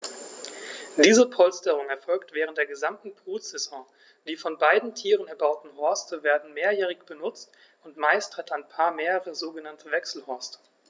Diese Polsterung erfolgt während der gesamten Brutsaison. Die von beiden Tieren erbauten Horste werden mehrjährig benutzt, und meist hat ein Paar mehrere sogenannte Wechselhorste.